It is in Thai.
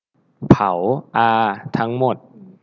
เผาอาทั้งหมด